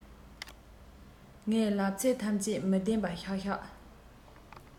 ངས ལབ ཚད ཐམས ཅད མི བདེན པ ཤག ཤག